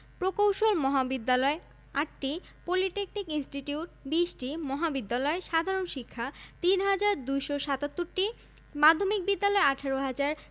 ৭৫৬টি এবং প্রাথমিক বিদ্যালয় ৮২হাজার ২১৮টি স্বাস্থ্য সুবিধাঃ হাসপাতাল ২হাজার ৮৬০টি হাসপাতালের শয্যা সংখ্যা ৭৪হাজার ৪১৫টি